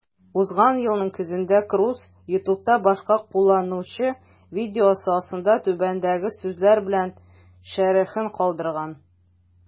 Узган елның көзендә Круз YouTube'та башка кулланучы видеосы астында түбәндәге сүзләр белән шәрехен калдырган: